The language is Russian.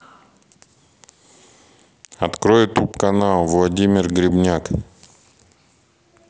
открой ютуб канал владимир грибняк